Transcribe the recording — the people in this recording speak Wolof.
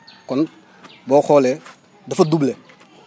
kon boo xoolee dafa doubler